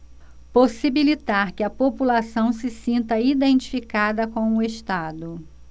possibilitar que a população se sinta identificada com o estado